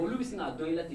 Olu bɛ n'a dɔn